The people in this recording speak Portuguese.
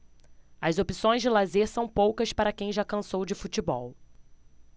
as opções de lazer são poucas para quem já cansou de futebol